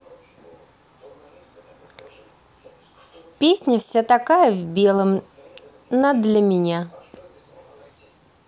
песня вся такая в белом на для меня